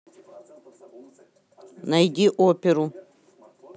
найди оперу